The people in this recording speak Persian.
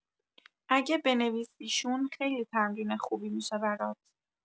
اگه بنویسیشون خیلی تمرین خوبی می‌شه برات